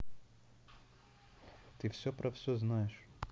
ты все про все знаешь